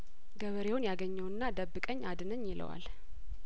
ገበሬውን ያገኘውና ደብ ቀኝ አድነኝ ይለዋል